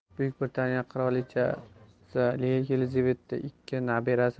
buyuk britaniya qirolichasi yelizaveta ii nabirasi